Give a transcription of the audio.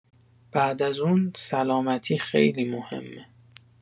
بعد از اون، سلامتی خیلی مهمه.